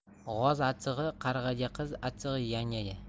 g'oz achchig'i qarg'aga qiz achchig'i yangaga